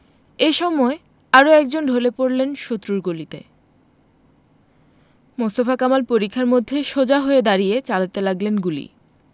এ সময় আরও একজন ঢলে পড়লেন শত্রুর গুলিতে মোস্তফা কামাল পরিখার মধ্যে সোজা হয়ে দাঁড়িয়ে চালাতে লাগলেন গুলি